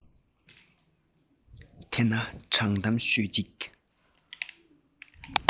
དེ ན དྲང གཏམ ཤོད ཅིག